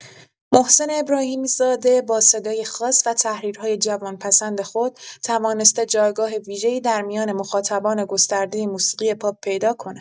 محسن ابراهیم‌زاده با صدای خاص و تحریرهای جوان‌پسند خود توانسته جایگاه ویژه‌ای در میان مخاطبان گسترده موسیقی پاپ پیدا کند.